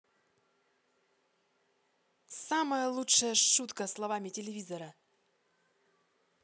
самая лучшая шутка словами телевизора